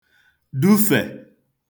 dufè